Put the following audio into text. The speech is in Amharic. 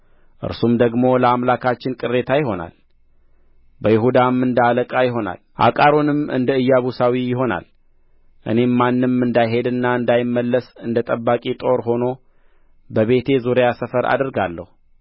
እርሱም ደግሞ ለአምላካችን ቅሬታ ይሆናል በይሁዳም እንደ አለቃ ይሆናል አቃሮንም እንደ ኢያቡሳዊ ይሆናል እኔም ማንም እንዳይሄድና እንዳይመለስ እንደ ጠባቂ ጦር ሆኖ በቤቴ ዙሪያ ሰፈር አደርጋለሁ